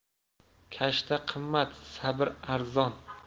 kashta qimmat sabr arzon